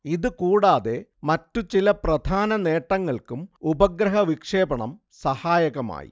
ഇതുകൂടാതെ മറ്റു ചില പ്രധാന നേട്ടങ്ങൾക്കും ഉപഗ്രഹവിക്ഷേപണം സഹായകമായി